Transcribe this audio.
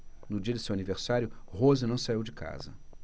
no dia de seu aniversário rose não saiu de casa